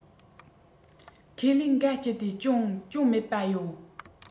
ཁས ལེན གཱ སྤྱད དེ ཅུང གྱོང མེད པ ཡོད